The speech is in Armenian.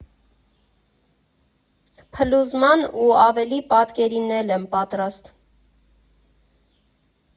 Փլուզման ու ավերի պատկերին էլ եմ պատրաստ .